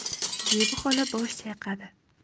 zebi xola bosh chayqadi